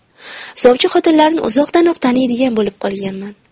sovchi xotinlarni uzoqdanoq taniydigan bo'lib qolganman